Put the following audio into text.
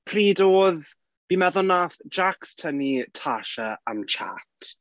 Pryd oedd... fi'n meddwl wnaeth Jax tynnu Tasha am chat.